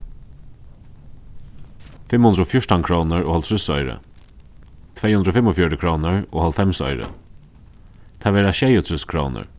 fimm hundrað og fjúrtan krónur og hálvtrýss oyru tvey hundrað og fimmogfjøruti krónur og hálvfems oyru tað verða sjeyogtrýss krónur